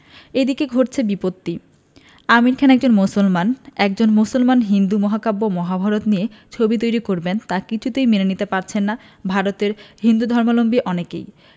এদিকে ঘটেছে বিপত্তি আমির খান একজন মুসলমান একজন মুসলমান হিন্দু মহাকাব্য মহাভারত নিয়ে ছবি তৈরি করবেন তা কিছুতেই মেনে নিতে পারছেন না ভারতের হিন্দুধর্মাবলম্বী অনেকে